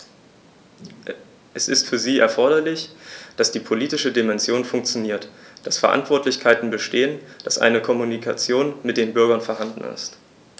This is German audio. Es ist für sie erforderlich, dass die politische Dimension funktioniert, dass Verantwortlichkeiten bestehen, dass eine Kommunikation mit den Bürgern vorhanden ist.